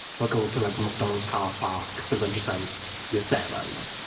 but go to like, McDonald's car park with a bunch of seve- year sevens.